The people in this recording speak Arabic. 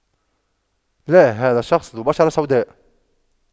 لا هذا الشخص ذو بشرة سوداء